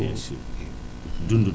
bien sûr dundu